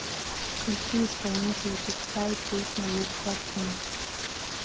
включи исполнителя фиксай песня лук батун